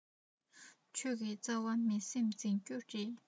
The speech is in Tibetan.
ཆོས ཀྱི རྩ བ མི སེམས འཛིན རྒྱུ རེད